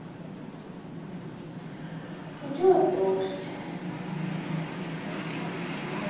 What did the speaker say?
идет дождь